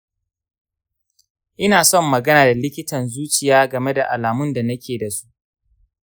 ina son magana da likitan zuciya game da alamun da nake da su.